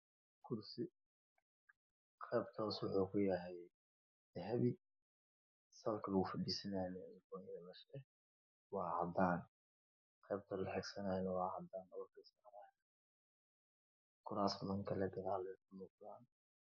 Kursi qeebta hoose waxa uu kayahy dahapi salka lagu fadhiisanyo waa cadaan qeebta laxigsanyo wa cadaan kuraas aa gadaal ka muuqdaan